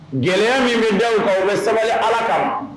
Gɛlɛya min bɛ denw kan u bɛ sabali ala kan